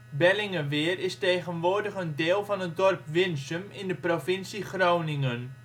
Bellingeweer is tegenwoordig een deel van het dorp Winsum in de provincie Groningen